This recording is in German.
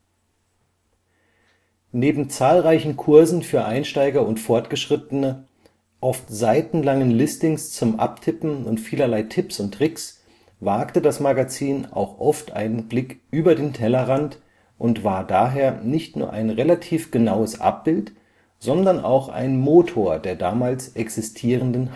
Neben zahlreichen Kursen für Einsteiger und Fortgeschrittene, oft seitenlangen Listings zum Abtippen und vielerlei Tipps und Tricks wagte das Magazin auch oft einen Blick über den Tellerrand und war daher nicht nur ein relativ genaues Abbild, sondern auch ein Motor der damals existierenden